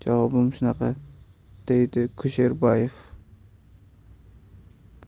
javobim shunaqa deydi kusherbayev